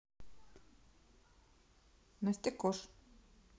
настя кош